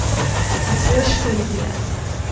ты тупой что ли блядь